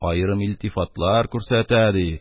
Аерым илтифатлар күрсәтә, ди.